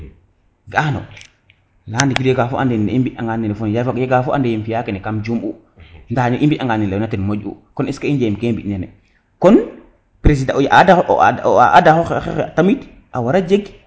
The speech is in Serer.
ga ano yem fiya kene kam juum u nda i mbi anga ne leyona ten moƴ u kon est ce que i njem ke mbi nene kon o adaxo xe tamit a wara jeg